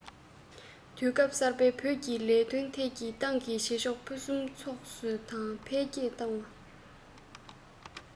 དུས སྐབས གསར པའི བོད ཀྱི ལས དོན ཐད ཀྱི ཏང གི བྱེད ཕྱོགས ཕུན སུམ ཚོགས སུ དང འཕེལ རྒྱས བཏང བ